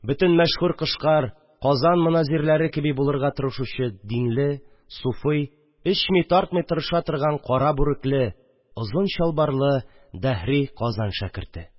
Бөтен мәшһүр кышкар, казан моназирләре кеби булырга тырышучи, динле, суфи, эчми-тартмый тырыша торган кара бүрекле, озын чалбарлы, дәһри казан шәкерте